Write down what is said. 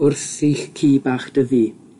Wrth i'ch ci bach dyfu